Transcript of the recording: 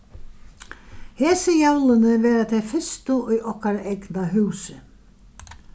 hesi jólini verða tey fyrstu í okkara egna húsi